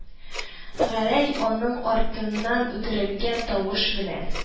Гәрәй аның артыннан үтерелгән тавыш белән: